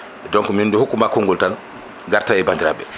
donc min mi hokkuma kongol tan garta e bandiraɓeɓe